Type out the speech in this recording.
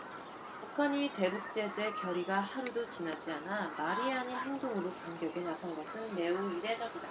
북한이 대북 제재 결의가 하루도 지나지 않아 말이 아닌 행동으로 반격에 나선 것은 매우 이례적이다